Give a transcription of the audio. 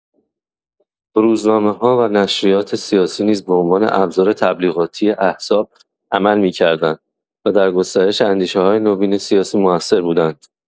روزنامه‌ها و نشریات سیاسی نیز به عنوان ابزار تبلیغاتی احزاب عمل می‌کردند و در گسترش اندیشه‌های نوین سیاسی مؤثر بودند.